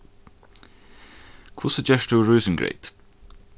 hvussu gert tú rísingreyt